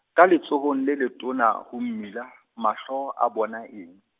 ka letsohong, le letona ho mmila, mahlo a bonang eng?